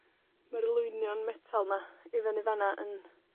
Mae'r lwynio'n metal 'ma i fyny fan 'na yn,